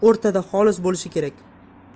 o'rtada xolis bo'lishi kerak